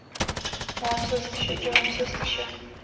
molsiz kishi jonsiz kishi